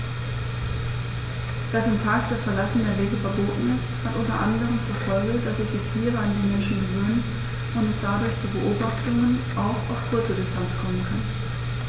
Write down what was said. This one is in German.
Dass im Park das Verlassen der Wege verboten ist, hat unter anderem zur Folge, dass sich die Tiere an die Menschen gewöhnen und es dadurch zu Beobachtungen auch auf kurze Distanz kommen kann.